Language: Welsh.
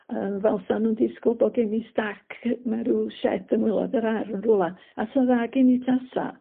yym fel sa'n nw'n disgwl bo' gen i stack mew' ryw shed yng ngwilod yr ar' rywla a sa dda gen i tasa.